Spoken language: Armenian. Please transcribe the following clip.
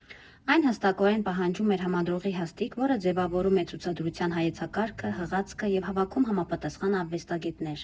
Այն հստակորեն պահանջում էր համադրողի հաստիք, որը ձևավորում է ցուցադրության հայեցակարգը, հղացքը և հավաքում համապատասխան արվեստագետներ։